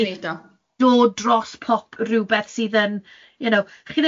i 'neud o ...chi 'di dod dros pop- rywbeth sydd yn, you know, chi